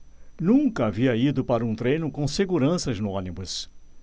nunca havia ido para um treino com seguranças no ônibus